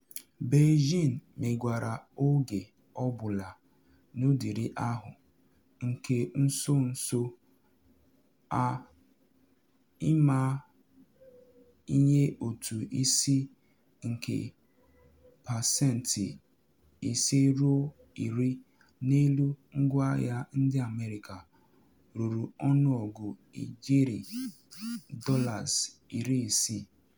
Beijing megwara oge ọ bụla n’ụdịrị ahụ, nke nso nso a ịmanye ụtụ isi nke pasentị ise ruo iri n’elu ngwaahịa ndị America ruru ọnụọgụ ijeri $60.